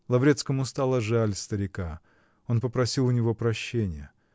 Лаврецкому стало жаль старика; он попросил у него прощения.